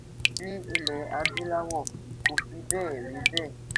Ní ilẹ̀ Adúláwọ̀, kò fí bẹ́ẹ̀ rí bẹ́ẹ̀.